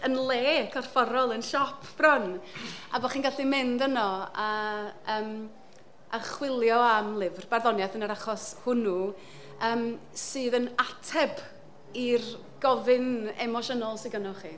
Yn le corfforol yn siop bron, a bod chi'n gallu mynd yno a yym a chwilio am lyfr barddoniaeth yn yr achos hwnnw yym sydd yn ateb i'r gofyn emosiynol sy ganddo chi.